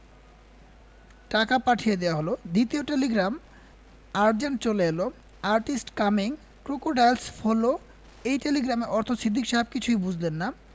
টাকা পাঠিয়ে দেয়া হল দ্বিতীয় টেলিগ্রাম আজেন্ট চলে এল আর্টিস্ট কামিং. ক্রোকোডাইলস ফলো' এই টেলিগ্রামের অর্থ সিদ্দিক সাহেব কিছুই বুঝলেন না